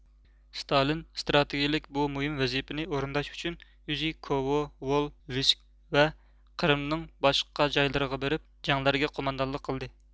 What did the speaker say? ستالىن ئىستراتېگىيىلىك بۇ مۇھىم ۋەزىپىنى ئورۇنداش ئۈچۈن ئۆزى كوۋو ۋول ۋىسك ۋە قىرىمنىڭ باشقا جايلىرىغا بېرىپ جەڭلەرگە قوماندانلىق قىلدى